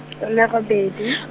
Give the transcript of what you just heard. e le robedi.